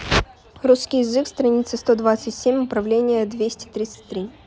русский язык страница сто двадцать семь управление двести тридцать три